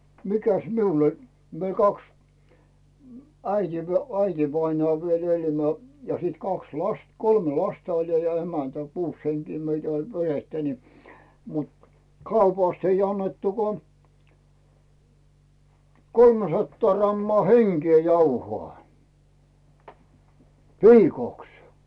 mikäs minulla oli minä kaksi äiti äitivainaja vielä eli me ja sitten kaksi lasta kolme lasta oli ja emäntä kuusi henkeä meitä oli perhettä niin mutta kaupasta ei annettu kuin kolmesataa grammaa henkeen jauhoa viikoksi